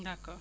d' accord